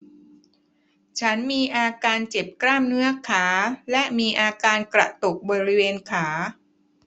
ฉันมีอาการเจ็บกล้ามเนื้อขาและมีอาการกระตุกบริเวณขา